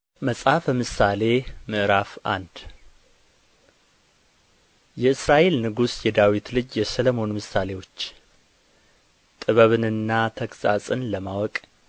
መጽሐፈ ምሳሌ ምዕራፍ አንድ የእስራኤል ንጉሥ የዳዊት ልጅ የሰሎሞን ምሳሌዎች ጥበብንና ተግሣጽን ለማወቅ